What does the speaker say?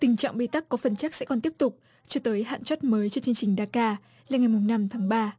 tình trạng bế tắc có phần chắc sẽ còn tiếp tục cho tới hạn chót mới cho chương trình đa ca là ngày mùng năm tháng ba